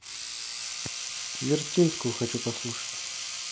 вертинскую хочу послушать